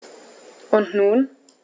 Und nun?